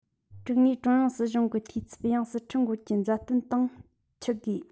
དྲུག ནས ཀྲུང དབྱང སྲི གཞུང གི འཐུས ཚབ ཡང སྲིད ཁྲི འགོད ཀྱི མཛད སྟོན སྟེང ཆུད དགོས